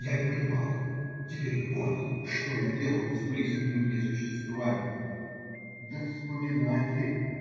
Я не понимал (теперь я понял), что я делал с близкими мне существами. Да вспоминать ли?